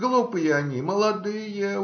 Глупые они, молодые.